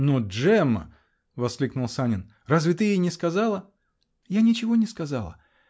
-- Но, Джемма, -- воскликнул Санин, -- разве ты ей не сказала. -- Я ничего не сказала!